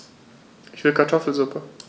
Ich will Kartoffelsuppe.